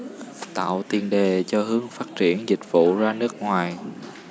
tạo tiền đề cho hướng phát triển dịch vụ ra nước ngoài